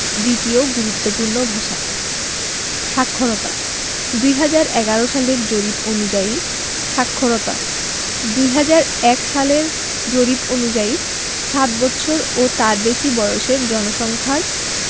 দ্বিতীয় গুরুত্বপূর্ণ ভাষা সাক্ষরতাঃ ২০১১ সালের জরিপ অনুযায়ী সাক্ষরতাঃ ২০০১ সালের জরিপ অনুযায়ী সাত বৎসর ও তার বেশি বয়সের জনসংখ্যার